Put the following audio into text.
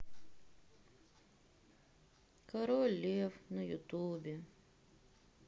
король лев на ютубе